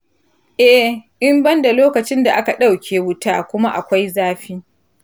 eh, in ban da lokacin da aka ɗauke wuta kuma akwai zafi.